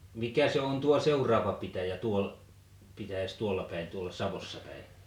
mikä se on tuo seuraava pitäjä - pitäjä tuolla päin tuolla Savossa päin